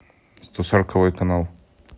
сто сороковой канал